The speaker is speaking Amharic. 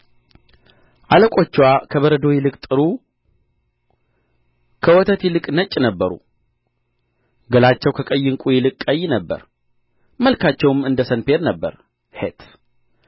አለቆችዋ ከበረዶ ይልቅ ጥሩ ከወተት ይልቅ ነጭ ነበሩ ገላቸው ከቀይ ዕንቍ ይልቅ ቀይ ነበረ መልካቸውም እንደ ሰንፔር ነበረ ሔት